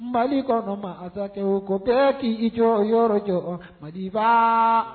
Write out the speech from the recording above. Mali kɔnɔ maa ata o ko bɛɛ k'i i jɔ yɔrɔ jɔ mali fa